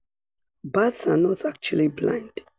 Bats are not actually blind.